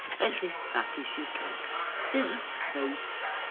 Felly, fathais i'r gair ffyrdd-fynd.